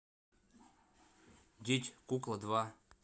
деть кукла два